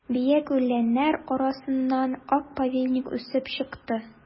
Биек үләннәр арасыннан ак повейник үсеп чыкты.